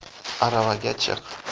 aravaga chiq